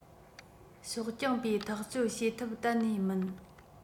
ཕྱོགས རྐྱང པས ཐག གཅོད བྱེད ཐུབ གཏན ནས མིན